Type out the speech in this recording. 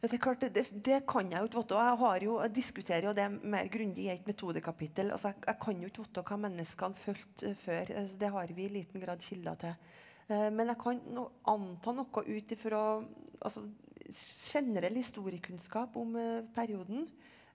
ja det er klart det det kan jeg jo ikke vite og jeg har jo jeg diskutere jo det mer grundig i et metodekapittel altså jeg jeg kan jo ikke vite hva menneskene følte før så det har vi i liten grad kilder til men jeg kan anta noe ut ifra altså generell historiekunnskap om perioden.